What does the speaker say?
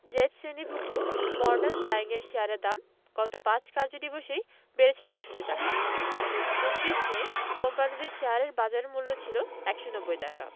Z শ্রেণিভুক্ত modern ডায়িংয়ের শেয়ারের দাম গত ৫ কার্যদিবসেই বেড়েছে ৬২ টাকা ২৯ মে কোম্পানিটির শেয়ারের বাজারমূল্য ছিল ১৯০ টাকা